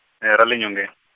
ra le nyonge-.